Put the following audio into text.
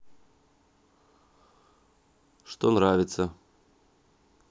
что нравится